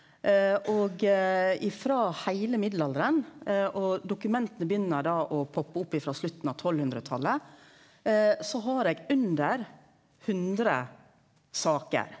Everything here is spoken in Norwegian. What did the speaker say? og ifrå heile mellomalderen og dokumenta begynner da å poppe opp ifrå slutten av tolvhundretalet så har eg under 100 sakar.